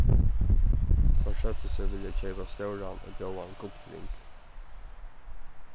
teir søgdu seg vilja keypa stóran og góðan gullring